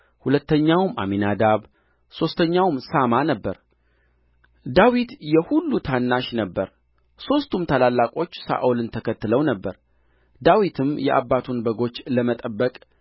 ሁለተኛውም አሚናዳብ ሦስተኛውም ሣማ ነበረ ዳዊት የሁሉ ታናሽ ነበረ ሦስቱም ታላላቆች ሳኦልን ተከትለው ነበር ዳዊትም የአባቱን በጎች ለመጠበቅ